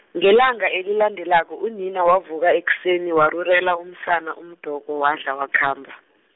ngelanga elilandelako unina wavuka ekuseni warurela umsana umdoko wadla wakhamba.